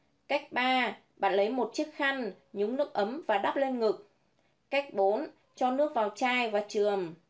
cách bạn lấy chiếc khăn nhúng nước ấm và đắp lên ngực cách cho nước vào chai và chườm